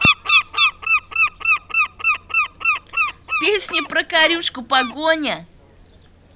песня про корюшка погоня